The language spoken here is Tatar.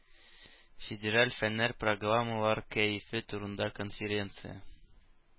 Федераль фэннэр программалар кәефе турында конференция.